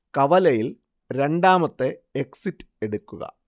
കവലയിൽ രണ്ടാമത്തെ എക്സിറ്റ് എടുക്കുക